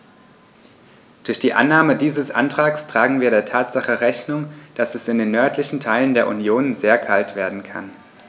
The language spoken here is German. Durch die Annahme dieses Antrags tragen wir der Tatsache Rechnung, dass es in den nördlichen Teilen der Union sehr kalt werden kann.